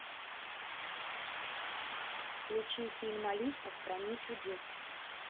включи фильм алиса в стране чудес